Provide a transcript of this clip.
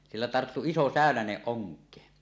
sillä tarttui iso säynänen onkeen